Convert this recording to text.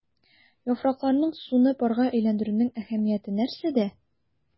Яфракларның суны парга әйләндерүнең әһәмияте нәрсәдә?